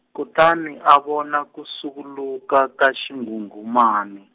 kutani a vona ku tshuku luka ka xinghunghumani.